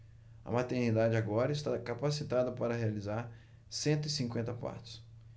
a maternidade agora está capacitada para realizar cento e cinquenta partos